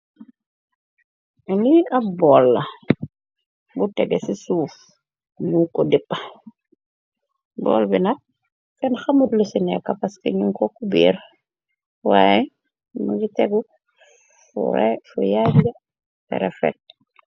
Ni ab bool la bu tege ci suuf ñu ko dippa bool bi nak kenn xamut lu ci ne kapaski nu ko ku biir waaye mungi tegu fu yaajja tera fet.